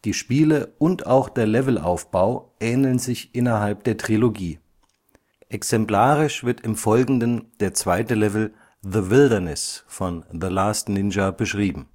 Spiele und auch der Levelaufbau ähneln sich innerhalb der Trilogie. Exemplarisch wird im Folgenden der zweite Level „ The Wilderness “von The Last Ninja beschrieben